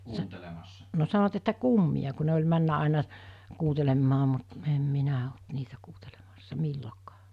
- no sanoivat että kummia kun ne oli mennyt aina kuuntelemaan mutta en minä ollut niitä kuuntelemassa milloinkaan